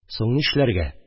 Соң нишләргә